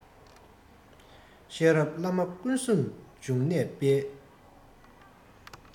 གཤེན རབ བླ མ སྐུ གསུམ འབྱུང གནས དཔལ